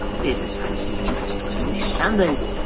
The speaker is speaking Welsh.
Be fysa Mrs Jones drws nesaf yn ddeud?